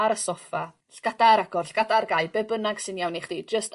ar y soffa llygada ar agor llygada ar gau be' bynnag sy'n iawn i chdi jyst